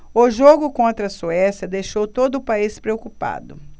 o jogo contra a suécia deixou todo o país preocupado